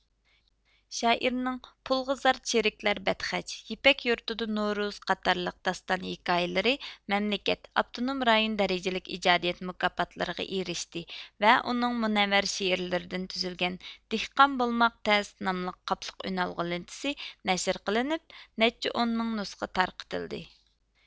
شائىرنىڭ پۇلغا زار چىرىكلەر بەدخەچ يىپەك يۇرتىدا نورۇز قاتارلىق داستان ھېكايىلىرى مەملىكەت ئاپتونۇم رايون دەرىجىلىك ئىجادىيەت مۇكاپاتلىرىغا ئېرىشتى ۋە ئۇنىڭ مۇنەۋۋەر شىئېرلىردىن تۈزۈلگەن دېھقان بولماق تەس ناملىق قاپلىق ئۈنئالغۇ لېنتىسى نەشىر قىلنىپ نەچچە ئون مىڭ نۇسخا تارقىتىلدى